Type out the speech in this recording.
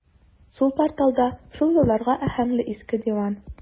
Сул порталда шул елларга аһәңле иске диван.